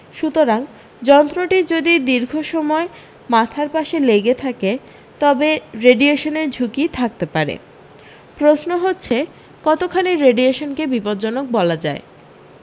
সুতরাং যন্ত্রটি যদি দীর্ঘ সময় মাথার পাশে লেগে থাকে তবে রেডিয়েশনের ঝুঁকি থাকতে পারে প্রশ্ন হচ্ছে কতখানি রেডিয়েশনকে বিপদজ্জনক বলা যায়